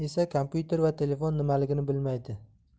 esa kompyuter va telefon nimaligini bilmaydi